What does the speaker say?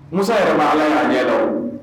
Musa yɛrɛ ma Ala ye a ɲɛ na o